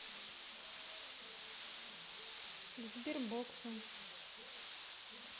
к сбербоксу